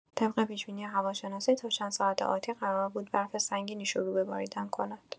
طبق پیش‌بینی هواشناسی تا چند ساعت آتی قرار بود برف سنگینی شروع به باریدن کند.